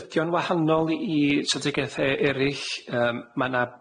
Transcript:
Ydi o'n wahanol i strategeuthe erill, yym ma' 'na